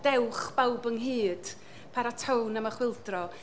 dewch bawb ynghyd, paratown yma chwyldro.